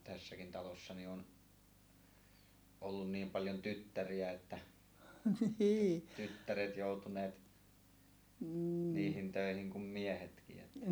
tässäkin talossa niin on ollut niin paljon tyttäriä että tyttäret joutuneet niihin töihin kuin miehetkin että